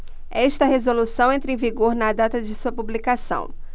esta resolução entra em vigor na data de sua publicação